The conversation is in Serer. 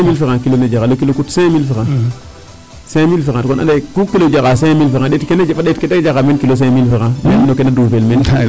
Cinq mille francs kilo ne jaraa le kilo coute cinq mille francs cinq mille francs kon kilo jara cinq mille franc ɗeeti kene na jaraa meen cinq mille francs no kene na duufel meen.